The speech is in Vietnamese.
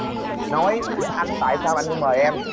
nói anh tại sao anh không mời em